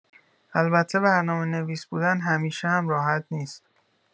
البته برنامه‌نویس بودن همیشه هم راحت نیست.